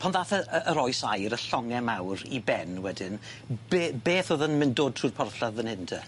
Pan' ddath y yy yr oes air, y llonge mawr, i ben wedyn, be- beth o'dd yn myn- dod trw'r porthladd fan hyn te?